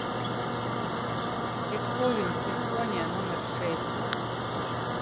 бетховен симфония номер шесть